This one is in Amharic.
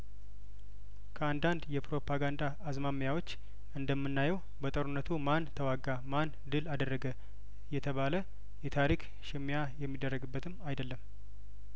ከአንዳንድ የፕሮፓጋንዳ አዝማሚያዎች እንደምና የው በጦርነቱ ማን ተዋጋ ማን ድል አደረገ እየተባለ የታሪክ ሽሚያ የሚደረግበትም አይደለም